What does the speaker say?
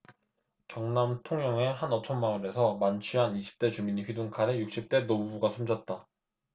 경남 통영의 한 어촌마을에서 만취한 이십 대 주민이 휘둔 칼에 육십 대 노부부가 숨졌다